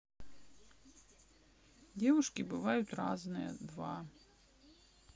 девушки бывают разные два